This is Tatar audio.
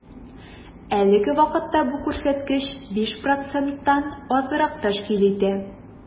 Әлеге вакытта бу күрсәткеч 5 проценттан азрак тәшкил итә.